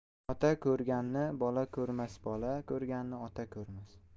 ota ko'rganni bola ko'rmas bola ko'rganni ota ko'rmas